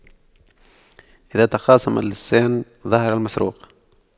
إذا تخاصم اللصان ظهر المسروق